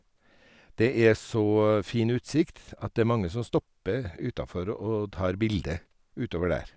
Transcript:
Det er så fin utsikt at det er mange som stopper utafor og tar bilde utover der.